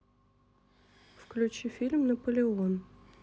включи фильм наполеон